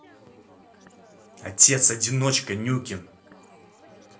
отец одиночка нюкин